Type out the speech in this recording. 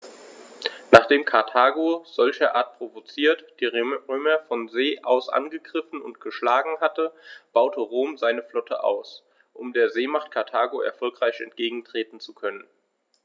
Nachdem Karthago, solcherart provoziert, die Römer von See aus angegriffen und geschlagen hatte, baute Rom seine Flotte aus, um der Seemacht Karthago erfolgreich entgegentreten zu können.